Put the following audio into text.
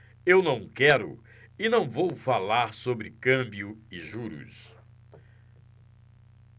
eu não quero e não vou falar sobre câmbio e juros